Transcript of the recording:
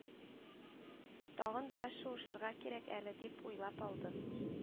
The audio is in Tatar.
«тагын бераз шуышырга кирәк әле», – дип уйлап алды